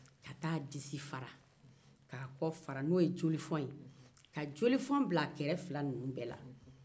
a y'a disi far k'a kɔ fara ka jolifɔn bil a kɛrɛ fila bɛɛ la